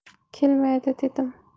kelmaydi dedim